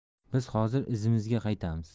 biz hozir izimizga qaytamiz